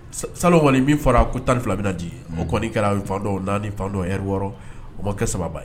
Sa kɔniɔni min fɔra ko tan ni fila bɛ nci o kɔni kɛradɔ naanidɔ wɔɔrɔ o ma kɛ saba ye